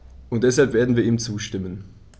Und deshalb werden wir ihm zustimmen.